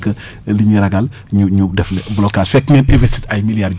que li ñuy ragal ñu ñu def blocage fekk ngeen investir ay milliards